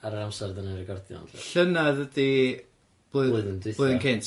Ar yr amsar 'dan ni'n recordio 'wn felly. Llynadd ydi blwyddyn... Blwyddyn dwitha. ...blwyddyn cynt.